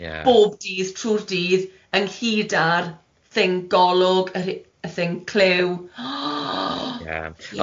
bob dydd trwy'r dydd ynghyd â'r thing golwg, y rhi- y thing cliw .